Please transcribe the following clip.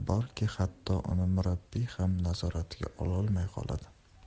murabbiy ham nazoratiga ololmay qoladi